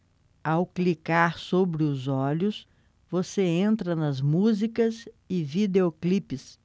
ao clicar sobre os olhos você entra nas músicas e videoclipes